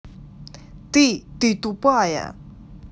ты ты тупая